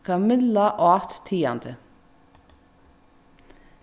kamilla át tigandi